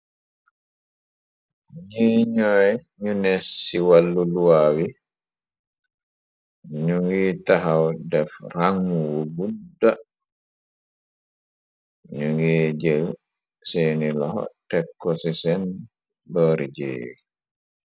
Nye ñooy ñu nes ci wàllu luwa wi ñu ngi taxaw def ràng wu budda ñu ngiy jël seeni loxo tekko ci seen boori jéeyi.